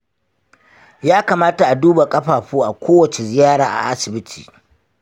ya kamata a duba ƙafafu a kowacce ziyara a asibiti.